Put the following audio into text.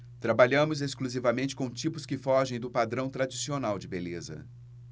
trabalhamos exclusivamente com tipos que fogem do padrão tradicional de beleza